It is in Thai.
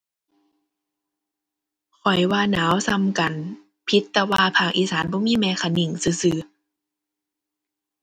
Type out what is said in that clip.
ข้อยว่าหนาวส่ำกัน ผิดแต่ว่าภาคอีสานบ่มีแม่คะนิ้งซื่อซื่อ